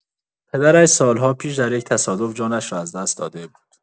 پدرش سال‌ها پیش در یک تصادف جانش را از دست داده بود.